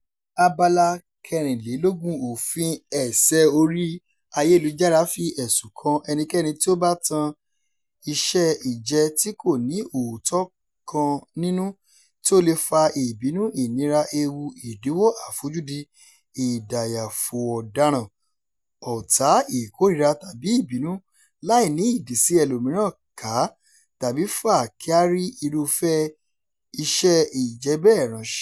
Abala 24 Òfin Ẹ̀ṣẹ̀ orí-ayélujára fi ẹ̀sùn kan "ẹnikẹ́ni tí ó bá tan iṣẹ́-ìjẹ́ tí kò ní òótọ́ kan nínú, tí ó lè fa ìbínú, ìnira, ewu, ìdíwọ́, àfojúdi, ìdáyàfò ọ̀daràn, ọ̀tá, ìkórìíra, tàbí ìbínú láì ní ìdí sí ẹlòmíràn ká tàbí fa kí a fi irúfẹ́ iṣẹ́-ìjẹ́ bẹ́ẹ̀ ránṣẹ́."